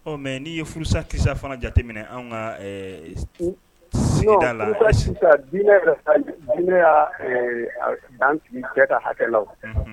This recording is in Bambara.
Ɔ mais ni ye furusa kisa fana jateminɛ an ka ɛɛ sigida la . N go furusa kisa dinɛ ya dan sigi cɛ ka hakɛlaw